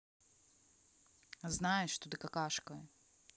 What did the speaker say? а знаешь что ты какашка